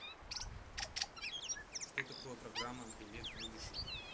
что такое программа билет в будущее